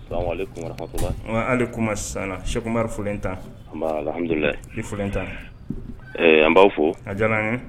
Salamalekum warahmatulahi wa-alekumasala Cheick Umar Folenta an baa alhamdulilahi i Folenta ɛɛ an b'aw fo a diyal'an ye